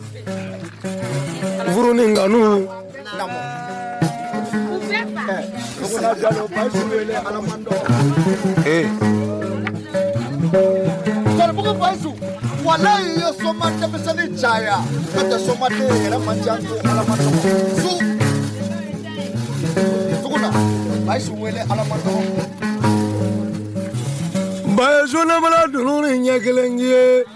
Wa dunun ɲɛ kelen ye